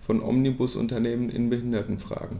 von Omnibusunternehmen in Behindertenfragen.